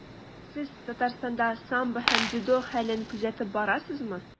Сез Татарстанда самбо һәм дзюдо хәлен күзәтеп барасызмы?